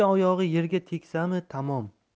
oyog'i yerga tegsami tamom